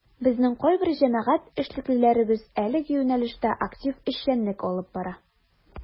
Безнең кайбер җәмәгать эшлеклеләребез әлеге юнәлештә актив эшчәнлек алып бара.